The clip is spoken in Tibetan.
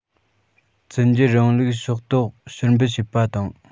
བཙན རྒྱལ རིང ལུགས ཕྱོགས གཏོགས ཕྱིར འབུད བྱེད པ དང